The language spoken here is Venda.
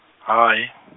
hai .